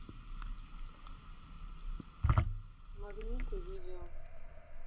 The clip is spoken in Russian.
магниты видео